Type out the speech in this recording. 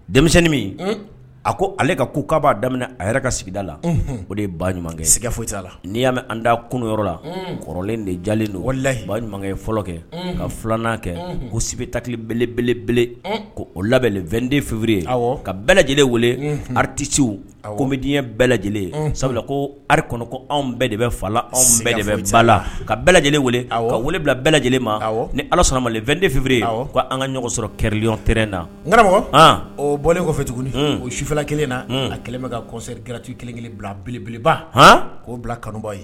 Denmisɛnninni min a ko ale ka ko'a b'a daminɛ a yɛrɛ ka sigida la o de ye ba ɲumankɛ sɛgɛ foyi t'a la n'i y'a an da kununyɔrɔ la kɔrɔlen de jalen don walila ba ɲumankɛ ye fɔlɔ kɛ ka filan kɛ ko sibi taki belebelebele ko o labɛn2den fiere ka bɛɛ lajɛleneleele ati ci ko bɛ di bɛɛ lajɛlen sabula ko arikɔnɔko anw bɛɛ de bɛ fala anw bɛɛ de bɛ bala ka bɛɛ lajɛlen ka wele bila bɛɛ lajɛlen ma ni ala sɔnnama2de feerebere' an ka ɲɔgɔn sɔrɔ kɛlterɛn na n garaba o bɔlen kɔfɛ tuguni o sufɛ kelen na a kɛlen bɛ ka kɔsɔ kɛrati kelenkelen bila bbeleba oo bila kanuba ye